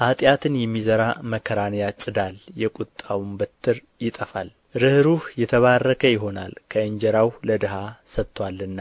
ኃጢአትን የሚዘራ መከራን ያጭዳል የቍጣውም በትር ይጠፋል ርኅሩህ የተባረከ ይሆናል ከእንጀራው ለድሀ ሰጥቶአልና